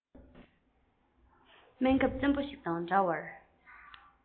སྨན ཁབ བཙན པོ ཞིག དང འདྲ བར